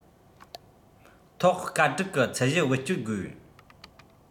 ཐོག སྐར དྲུག གི ཚད གཞི བེད སྤྱོད དགོས